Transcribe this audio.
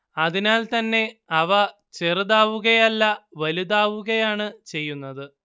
അതിനാൽത്തന്നെ അവ ചെറുതാവുകയല്ല വലുതാവുകയാണ് ചെയ്യുന്നത്